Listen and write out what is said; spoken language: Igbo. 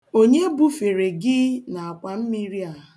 Onye bufere gị n'akwammiri a?